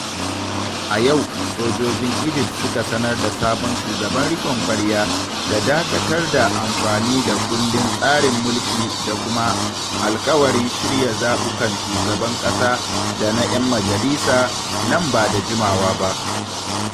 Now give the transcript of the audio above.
A yau sojojin Egypt suka sanar da sabon shugaban riƙon ƙwarya da dakatar da amfani da kundin tsarin mulki da kuma alƙawarin shirya zaɓukan Shugaban ƙasa da na 'yan majalisa nan ba da jimawa ba